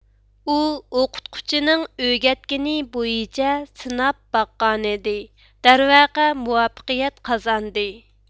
ئۇ ئوقۇتقۇچىنىڭ ئۆگەتكىنى بويىچە سىناپ باققانىدى دەرۋەقە مۇۋەپپەقىيەت قازاندى